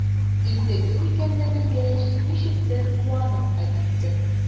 Инде мин икәнне белгәч, ничектер куанып та китте.